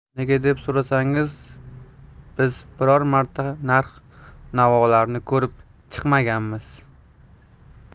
nega deb so'rasangiz biz biror marta narx navolarni ko'rib chiqmaganmiz